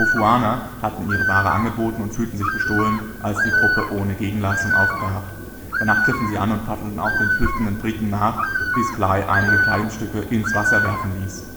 Tofuaner hatten ihre Ware angeboten und fühlten sich bestohlen, als die Gruppe ohne Gegenleistung aufbrach. Daher griffen sie an und paddelten auch den flüchtenden Briten nach, bis Bligh einige Kleidungsstücke ins Wasser werfen ließ